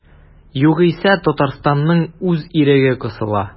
Югыйсә Татарстанның үз иреге кысыла.